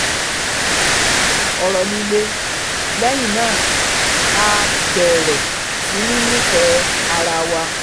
Ọ̀rọ líle ‘léyìn náà a ábẹrẹ siní n’ìfẹ arawá́'